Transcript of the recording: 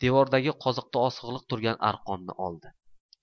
devordagi qozikda osig'liq turgan arqonni oldi